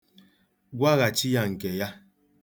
Gwaghachi ya nke ya.